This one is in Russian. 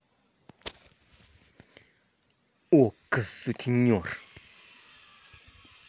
okko сутенер